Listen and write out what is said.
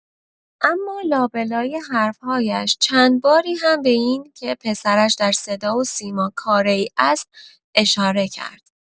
اما لا به لای حرف‌هایش چند باری هم به این که پسرش در صدا و سیما کاره‌ای است اشاره کرد.